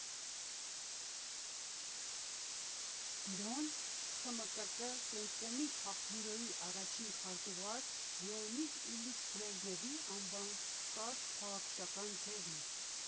Բրոն ԽՄԿԿ Կենտկոմի քաղբյուրոյի առաջին քարտուղար Լեոնիդ Իլյիչ Բրեժնևի անվան կարճ֊փաղաքշական ձևն էր։